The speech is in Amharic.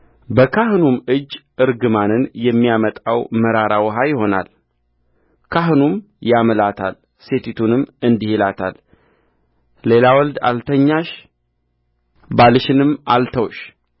በካህኑም እጅ እርግማንን የሚያመጣው መራራ ውኃ ይሆናልካህኑም ያምላታል ሴቲቱንም እንዲህ ይላታል ሌላ ወንድ አልተኛሽ ባልሽንም አልተውሽ